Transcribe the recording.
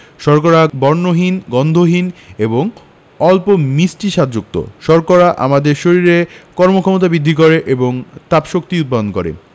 শর্করা বর্ণহীন গন্ধহীন এবং অল্প মিষ্টি স্বাদযুক্ত শর্করা আমাদের শরীরে কর্মক্ষমতা বৃদ্ধি করে এবং তাপশক্তি উৎপাদন করে